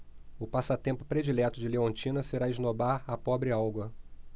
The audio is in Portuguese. o passatempo predileto de leontina será esnobar a pobre olga